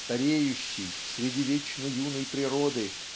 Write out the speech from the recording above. Стареющий среди вечно юной природы